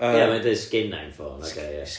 ia mae hi'n deud "sgynna i'm ffôn" ocê ie